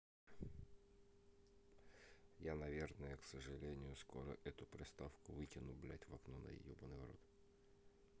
я наверное к сожалению скоро эту приставку выкину блять в окно на ебаный в рот